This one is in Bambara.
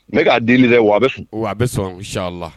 Ne k'a diinɛ wa a bɛ sɔn siyan la